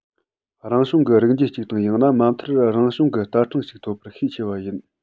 རང བྱུང གི རིགས འབྱེད ཅིག དང ཡང ན མ མཐར རང བྱུང གི བསྟར ཕྲེང ཞིག ཐོབ པར ཤས ཆེ བ ཡིན